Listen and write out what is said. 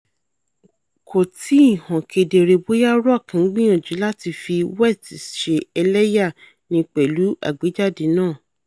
Kò tíì hàn kedere bóyá Rock ńgbìyânjú láti fi West ṣe ẹlẹ́yà ni pẹ̀lú àgbéjáde náà.